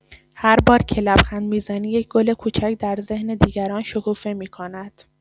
هر بار که لبخند می‌زنی، یک گل کوچک در ذهن دیگران شکوفه می‌کند.